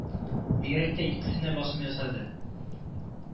Бигрәк тә икесенә басым ясады